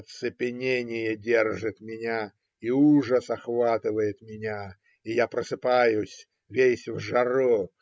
Оцепенение держит меня, и ужас охватывает меня, и я просыпаюсь весь в жару.